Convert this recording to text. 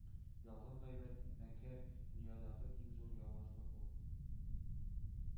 Ялган, гайбәт, мәкер — дөньядагы иң зур явызлык ул.